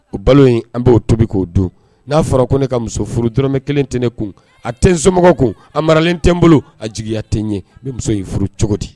O balo in an bɛ o tobi k' o don n'a fɔra ko ne ka muso furu d dɔrɔnmɛ kelen tɛ ne kun a tɛ nsomɔgɔw ko maralen tɛ n bolo a jigiya tɛ n ɲɛ n muso in furu cogo di